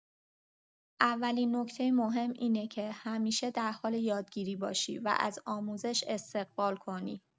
اولین نکته مهم اینه که همیشه در حال یادگیری باشی و از آموزش استقبال کنی.